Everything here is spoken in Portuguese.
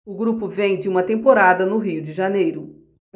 o grupo vem de uma temporada no rio de janeiro